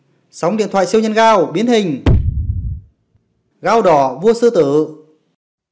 sóng điện thoại siêu nhân gao biến hình gao đỏ vua sư tử